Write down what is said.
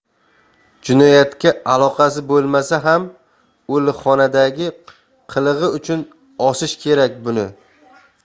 jinoyatga aloqasi bo'lmasa ham o'likxonadagi qilig'i uchun osish kerak buni